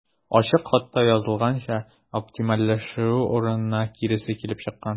Ачык хатта язылганча, оптимальләшү урынына киресе килеп чыккан.